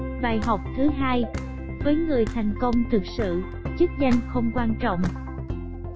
bài học thứ với người thành công thực sự chức danh không quan trọng